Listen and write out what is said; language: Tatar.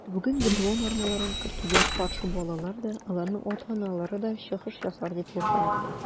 Бүген ГТО нормаларын кертүгә каршы балалар да, аларның ата-аналары да чыгыш ясар дип куркам.